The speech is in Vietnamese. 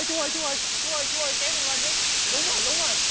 chú ơi chú ơi chú ơi chú ơi kéo con lên dới lún ồi lún rồi